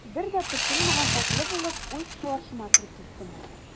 Бер дә пошынмаган атлы булып, үз шалашыма кереп киттем.